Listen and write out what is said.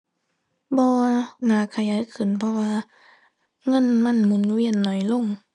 บ่ น่าขยายขึ้นเพราะว่า เงินมันหมุนเวียนน้อยลง